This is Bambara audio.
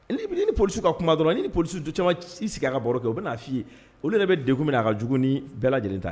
Ni bɛ ni poli ka kuma dɔrɔn ni poli to camanma' sigi a ka baro kɛ o bɛ'a fɔ ii o de bɛ de min na'a ka jugu ni bɛɛ lajɛlen ta